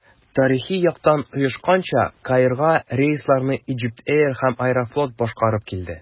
Тарихи яктан оешканча, Каирга рейсларны Egypt Air һәм «Аэрофлот» башкарып килде.